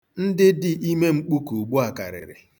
Ndị dị imemkpuke ugbua karịrị.